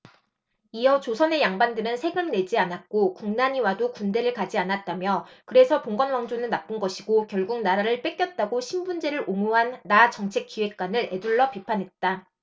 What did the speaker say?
이어 조선의 양반들은 세금을 내지 않았고 국난이 와도 군대를 가지 않았다며 그래서 봉건왕조는 나쁜 것이고 결국 나라를 뺏겼다고 신분제를 옹호한 나 정책기획관을 에둘러 비판했다